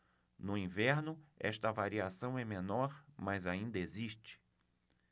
no inverno esta variação é menor mas ainda existe